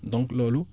donc loolu